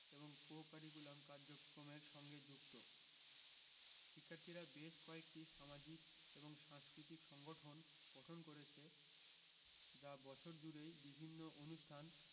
এবং co curriculum কার্যক্রমরে সঙ্গে যুক্ত শিক্ষার্থীরা বেশ কয়েকটি সামাজিক এবং সাংস্কৃতিক সংগঠন গঠন করেছে যা বছর জুড়েই বিভিন্ন অনুষ্ঠান